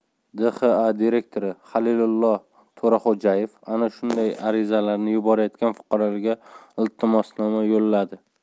dxa direktori halilullo to'raxo'jayev ana shunday arizalarni yuborayotgan fuqarolarga iltimosnoma yo'lladi